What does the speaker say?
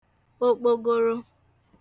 okpogoro